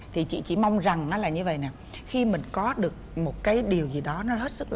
thì chị chỉ mong rằng nó là như vậy nè khi mình có được một cái điều gì đó nó hết sức